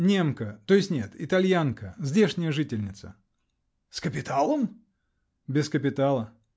-- Немка; то есть нет -- итальянка. Здешняя жительница. -- С капиталом? -- Без капитала.